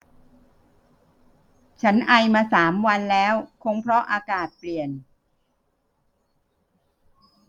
ฉันไอมาสามวันแล้วคงเพราะอากาศเปลี่ยน